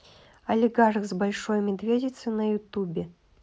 олигарх с большой медведицы на ютубе